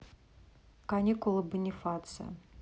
каникулы бонифация